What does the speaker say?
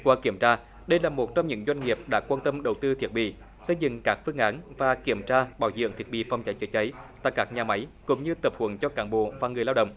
qua kiểm tra đây là một trong những doanh nghiệp đã quan tâm đầu tư thiết bị xây dựng các phương án và kiểm tra bảo dưỡng thiết bị phòng cháy chữa cháy tại các nhà máy cũng như tập huấn cho cán bộ và người lao động